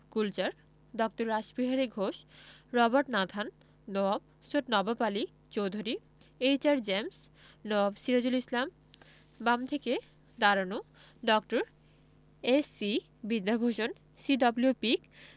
কুলচার ড. Rashbehari Ghosh Robert Nathan Nawab Syed Nawab Ali Chowdhury H R. James Nawab Sirajul Islam বাম থেকে দাঁড়ানো ড. এস.সি. বিদ্যাভূষণ সি.ডব্লিউ. পিক